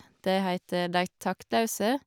Det heter Dei Taktlause.